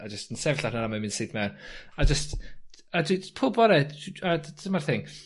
a jyst yn sefyll ar hwnna mae'n myn' syth mewn. A jyst a dwi pob bore a dy- dyma'r thing